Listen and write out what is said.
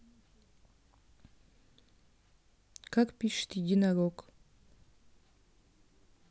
как пишет единорог